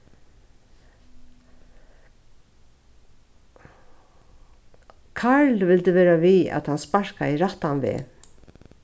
karl vildi vera við at hann sparkaði rættan veg